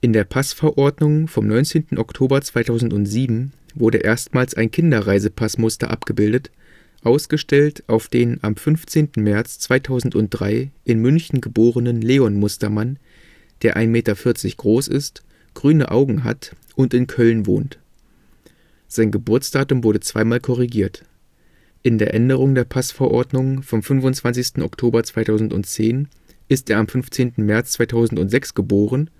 der Passverordnung vom 19. Oktober 2007 wurde erstmals ein Kinderreisepass-Muster abgebildet, ausgestellt auf den am 15. März 2003 in München geborenen Leon Mustermann, der 1,40 Meter groß ist, grüne Augen hat und in Köln wohnt. Sein Geburtsdatum wurde zweimal korrigiert. In der Änderung der Passverordnung vom 25. Oktober 2010 ist er am 15. März 2006 geboren